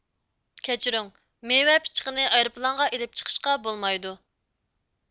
كەچۈرۈڭ مېۋە پىچىقىنى ئايروپىلانغا ئېلىپ چىقىشقا بولمايدۇ